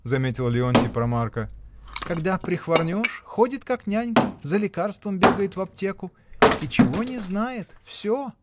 — заметил Леонтий про Марка, — когда прихворнешь, ходит как нянька, за лекарством бегает в аптеку. И чего не знает? Всё!